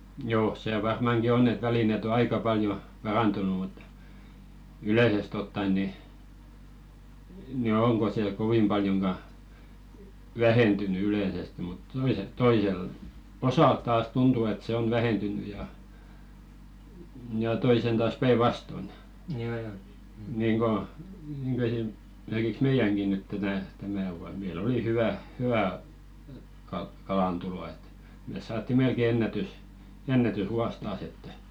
joo se varmankin on että välineet on aika paljon parantunut mutta yleisesti ottaen niin niin onko se kovin paljonkaan vähentynyt yleisesti mutta toiset toisella osalla taas tuntuu että se on vähentynyt ja ja toisen taas päinvastoin niin kuin niin kuin - esimerkiksi meidänkin nyt tätä tämä vuonna meillä oli hyvä hyvä kalantulo että me saatiin melkein - ennätysvuosi taas että